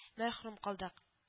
Мәхрүм калдык